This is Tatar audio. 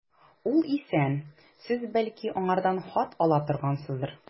Ул исән, сез, бәлки, аңардан хат ала торгансыздыр.